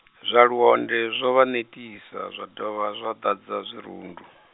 zwa Luonde zwo vha netisa zwa dovha zwa ḓadza zwirundu.